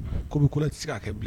K ko bɛ tɛ k ka kɛ bilen